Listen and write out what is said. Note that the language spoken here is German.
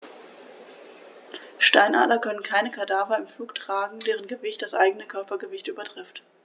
Steinadler können keine Kadaver im Flug tragen, deren Gewicht das eigene Körpergewicht übertrifft.